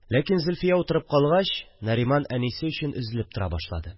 Ләкин, Зөлфия утырып калгач, Нариман әнисе өчен өзелеп тора башлады